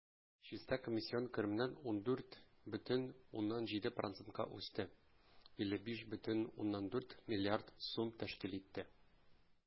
Чиста комиссион керемнәр 14,7 %-ка үсте, 55,4 млрд сум тәшкил итте.